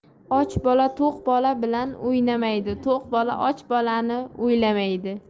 och bola to'q bola bilan o'ynamaydi to'q bola och bolani o'ylamaydi